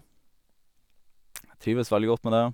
Jeg trives veldig godt med det.